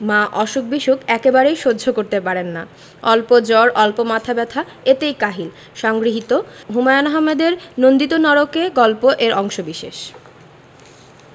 মা অসুখ বিসুখ একেবারেই সহ্য করতে পারেন না অল্প জ্বর অল্প মাথা ব্যাথা এতেই কাহিল সংগৃহীত হুমায়ুন আহমেদের নন্দিত নরকে গল্প এর অংশবিশেষ